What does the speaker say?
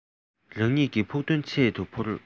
རང ཉིད ཀྱི ཕུགས བསམ ཆེད དུ འཕུར